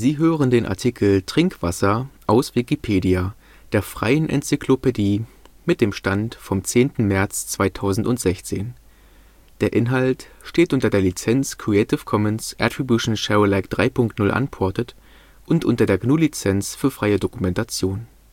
hören den Artikel Trinkwasser, aus Wikipedia, der freien Enzyklopädie. Mit dem Stand vom Der Inhalt steht unter der Lizenz Creative Commons Attribution Share Alike 3 Punkt 0 Unported und unter der GNU Lizenz für freie Dokumentation